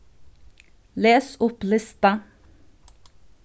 les upp lista